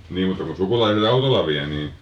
niin mutta kun sukulaiset autolla vie niin